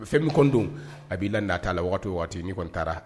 Fɛn min kɔndon a b'i la t ta la waati waati ni taara